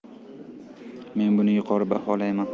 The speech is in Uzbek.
men buni yuqori baholayman